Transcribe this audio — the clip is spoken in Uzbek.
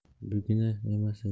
bugina emas edi